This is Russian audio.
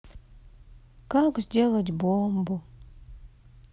как сделать бомбу